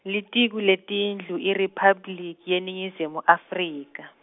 Litiko leTetindlu IRiphabliki yeNingizimu Afrika.